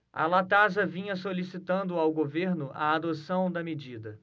a latasa vinha solicitando ao governo a adoção da medida